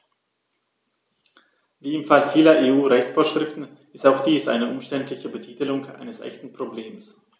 Wie im Fall vieler EU-Rechtsvorschriften ist auch dies eine umständliche Betitelung eines echten Problems.